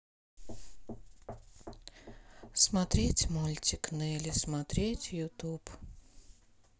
смотреть мультик нелли смотреть в ютуб